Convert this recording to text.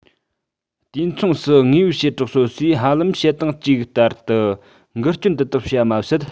དུས མཚུངས སུ དངོས པོའི བྱེ བྲག སོ སོས ཧ ལམ བྱེད སྟངས གཅིག ལྟར དུ འགུལ སྐྱོད འདི དག བྱས པ མ ཟད